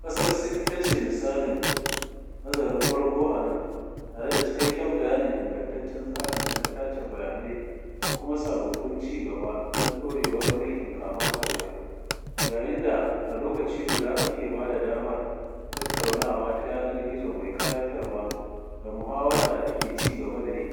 Ƙasar Sin ita ce misalin nazarin farko a nan, tare da cikakken bayanin ingantaccen tsarinta na tace bayanai da kuma sababbin ci gaba don ɗorewar mulkin kama-karya, yayin da a lokaci guda ake ba da damar “…tattaunawa ta yanar gizo mai ƙayatarwa da muhawara da ake ci gaba da yi,